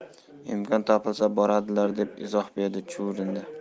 imkon topilsa boradilar deb izoh berdi chuvrindi